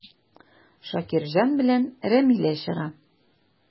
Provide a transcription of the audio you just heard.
Шакирҗан белән Рамилә чыга.